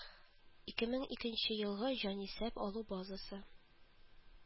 Ике мең икенче елгы җанисәп алу базасы